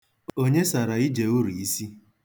Onye sara Ijeuru isi?